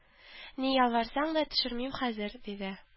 Ни ялварсаң да төшермим хәзер! — диде.